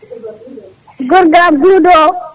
gorgolam Doudowo